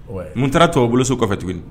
Wai mun taara tɔn u bolo so kɔfɛ tuguni